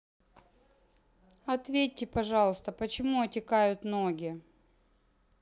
ответьте пожалуйста почему отекают ноги